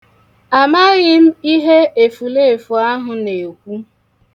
Amaghị m ihe efuleefu ahụ na-ekwu.